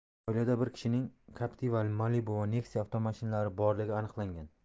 oilada bir kishining captiva malibu va nexia avtomashinalari borligi aniqlangan